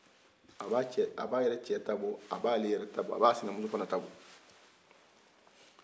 a b'a cɛ yɛrɛ ta bɔ a b'a ta bɔ a b'a sinamuso t'a bɔ